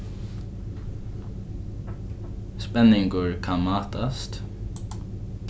spenningur kann mátast